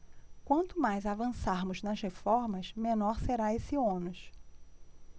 quanto mais avançarmos nas reformas menor será esse ônus